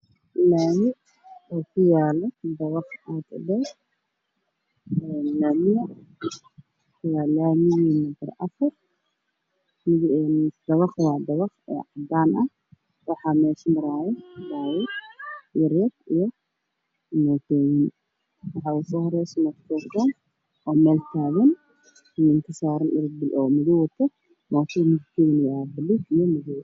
Waa laami waxaa kuyaalo dabaq aad u dheer laamiga waa laamiga lambar afar dabaqa waa cadaan, waxaa maraayo baabuur yaryar iyo mootooyin waxaa ugu soo horeyso mooto faykoon oo meel taagan ninka saaran waa nin dhar madow wato.